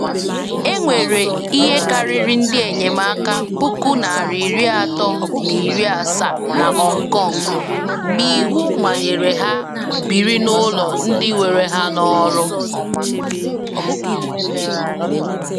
E nwere ihe karịrị ndị enyemaka 370,000 na Hong Kong ma iwu manyere ka ha biri n'ụlọ ndị were ha n'ọrụ